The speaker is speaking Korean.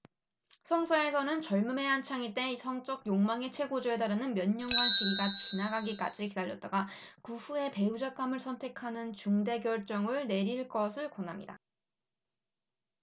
성서에서는 젋음의 한창 때 성적욕망이 최고조에 달하는 몇 년간의 시기가 지나기까지 기다렸다가 그 후에 배우자감을 선택하는 중대 결정을 내릴 것을 권합니다